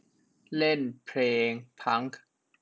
เล่นเพลงพังค์